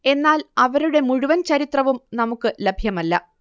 എന്നാൽ അവരുടെ മുഴുവൻ ചരിത്രവും നമുക്ക് ലഭ്യമല്ല